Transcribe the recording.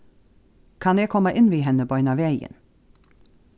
kann eg koma inn við henni beinanvegin